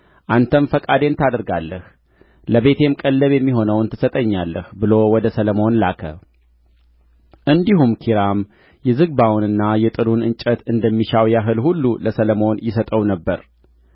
አንተም ፈቃዴን ታደርጋለህ ለቤቴም ቀለብ የሚሆነውን ትሰጠኛለህ ብሎ ወደ ሰሎሞን ላከ እንዲሁም ኪራም የዝግባውንና የጥዱን እንጨት እንደሚሻው ያህል ሁሉ ለሰሎሞን ይሰጠው ነበር